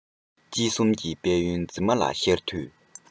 དཔྱིད གསུམ གྱི དཔལ ཡོན འཛིན མ ལ ཤར དུས